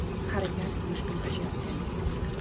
harakat mushkullashganday tuyuldi